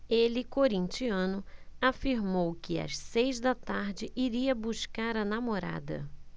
ele corintiano afirmou que às seis da tarde iria buscar a namorada